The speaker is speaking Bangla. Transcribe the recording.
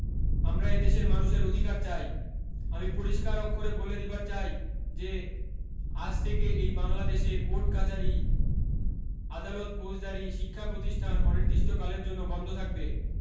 আমরা এদেশের মানুষের অধিকার চাই আমি পরিষ্কার অক্ষরে বলে দিবার চাই যে আজ থেকে এই বাংলাদেশে কোর্ট কাচারী আদালত ফৌজদারি শিক্ষা প্রতিষ্ঠান অনির্দিষ্ট কালের জন্য বন্ধ থাকবে